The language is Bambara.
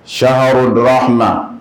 Saharo don huna